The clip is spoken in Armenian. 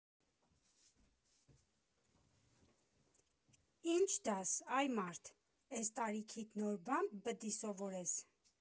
Ի՞նչ դաս, այ մարդ, էս տարիքիդ նոր բան պդի սովորե՞ս։